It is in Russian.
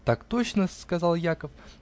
-- Так точно-с, -- сказал Яков.